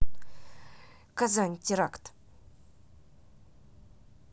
казань теракт